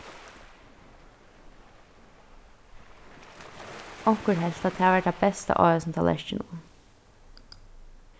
onkur helt at tað var tað besta á hesum tallerkinum